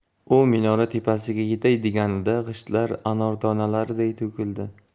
u minora tepasiga yetay deganida g'ishtlar anor donalariday to'kildi